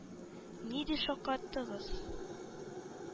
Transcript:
-ни дип шаккаттыгыз.